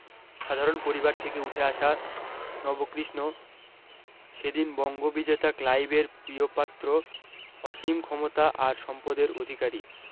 সাধারণ পরিবার থেকে উঠে আসা নবকৃষ্ণ সে দিন বঙ্গবিজেতা ক্লাইভের প্রিয়পাত্র অসীম ক্ষমতা আর সম্পদের অধিকারী